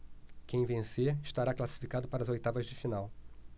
quem vencer estará classificado para as oitavas de final